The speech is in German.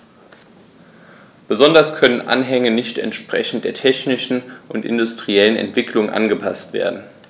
Insbesondere können Anhänge nicht entsprechend der technischen und industriellen Entwicklung angepaßt werden.